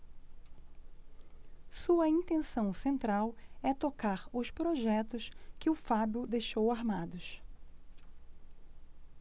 sua intenção central é tocar os projetos que o fábio deixou armados